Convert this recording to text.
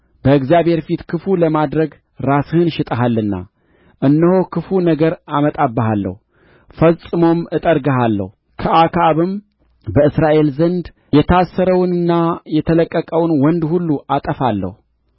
በእግዚአብሔር ፊት ክፉ ለማድረግ ራስህን ሽጠሃልና እነሆ ክፉ ነገር አመጣብሃለሁ ፈጽሞም እጠርግሃለሁ ከአክዓብም በእስራኤል ዘንድ የታሰረውንና የተለቀቀውን ወንድ ሁሉ አጠፋለሁ